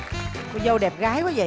cô dâu đẹp gái quá dậy